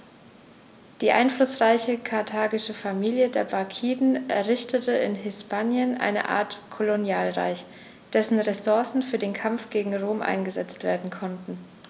Die einflussreiche karthagische Familie der Barkiden errichtete in Hispanien eine Art Kolonialreich, dessen Ressourcen für den Kampf gegen Rom eingesetzt werden konnten.